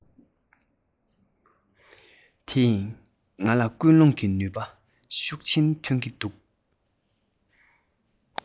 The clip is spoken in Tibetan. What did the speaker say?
དེས ང ལ སྐུལ སློང གི ནུས པ ཤུགས ཆེན ཐོན གྱི འདུག